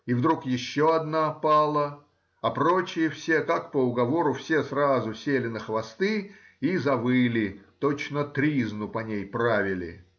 И вдруг еще одна пала, а прочие все, как по уговору, все сразу сели на хвосты и завыли, точно тризну по ней правили.